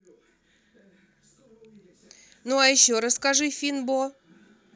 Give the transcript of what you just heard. ну а еще расскажи финбо